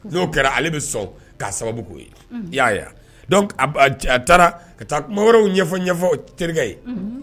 N'o kɛra ale bɛ sɔn k'a sababu ko ye, unhun, i y'a ye wa . Donc a taara ka taa kuma wɛrɛw ɲɛfɔ, ɲɛfɔ terikɛ ye, unhun.